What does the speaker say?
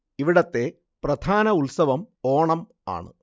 ഇവിടത്തെ പ്രധാന ഉത്സവം ഓണം ആണ്